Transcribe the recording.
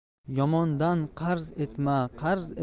yomondan qarz etma qarz